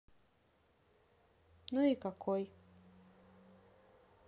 ну и какой